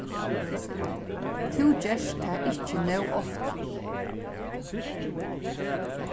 tú gert tað ikki nóg ofta